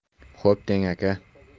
xo'p deng aka